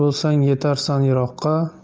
bo'lsang yetarsan yiroqqa